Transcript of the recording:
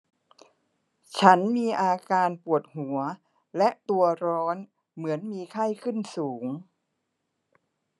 ฉันมีอาการปวดหัวและตัวร้อนเหมือนมีไข้ขึ้นสูง